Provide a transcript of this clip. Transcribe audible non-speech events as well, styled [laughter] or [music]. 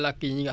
[hesitation] [hesitation]